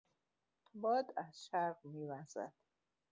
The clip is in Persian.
باد از شرق می‌وزد!